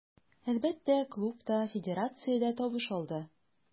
Әлбәттә, клуб та, федерация дә табыш алды.